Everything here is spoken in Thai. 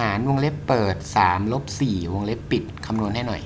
หารวงเล็บเปิดสามลบสี่วงเล็บปิดคำนวณให้หน่อย